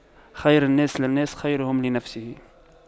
خير الناس للناس خيرهم لنفسه